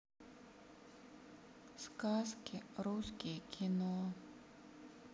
сказки русские кино